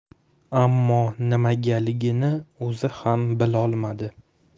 ammo nimagaligini o'zi ham bilolmadi